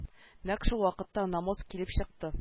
Нәкъ шулвакытта намус килеп чыкты